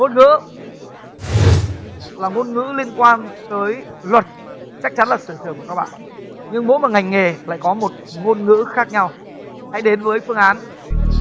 ngôn ngữ là ngôn ngữ liên quan tới luật chắc chắn là sở trường của các bạn nhưng mỗi một ngành nghề lại có một ngôn ngữ khác nhau hãy đến với phương án